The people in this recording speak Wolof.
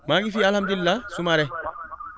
maa ngi fi alhamdulilah Soumaré